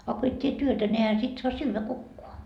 a kun et tee työtä ne eihän sitten saa syödä kukaan